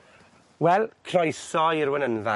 Wel, croeso i'r wenynfa.